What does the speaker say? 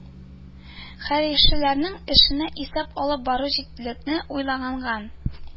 Хәерчеләрнең эшенә исәп алып бару җентекле уйланылган